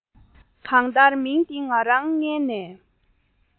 གང ལྟར མིང འདི ང རང མངལ ནས